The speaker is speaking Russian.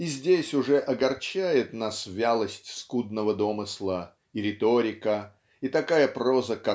и здесь уже огорчает нас вялость скудного домысла и риторика и такая проза